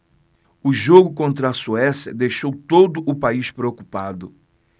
o jogo contra a suécia deixou todo o país preocupado